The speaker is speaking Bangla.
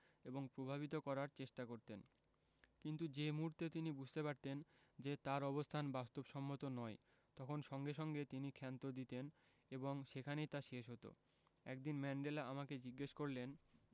এবং প্রভাবিত করার চেষ্টা করতেন কিন্তু যে মুহূর্তে তিনি বুঝতে পারতেন যে তাঁর অবস্থান বাস্তবসম্মত নয় তখন সঙ্গে সঙ্গে তিনি ক্ষান্ত দিতেন এবং সেখানেই তা শেষ হতো একদিন ম্যান্ডেলা আমাকে জিজ্ঞেস করলেন